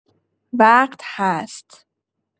وقت هست